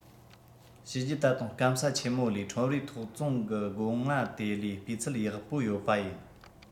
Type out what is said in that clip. གཤིས རྒྱུད ད དུང སྐམ ས ཆེན མོ ལས ཁྲོམ རའི ཐོག བཙོང གི སྒོ ང དེ ལས སྤུས ཚད ཡག པོ ཡོད པ ཡིན